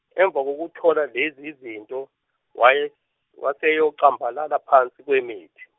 emva kokuthola lezi zinto, waye- waseyocambalala phansi kwemithi.